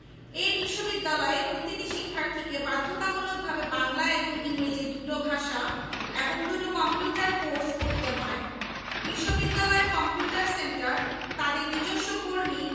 genetic engineering এবং biotechnology বিভাগ ভৌত বিজ্ঞান অনুষদে আছে পদার্থবিদ্যা রসায়ন গণিত এবং পরিসংখ্যান বিভাগ